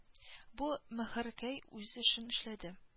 Бу мөһеркәй үз эшен эшләде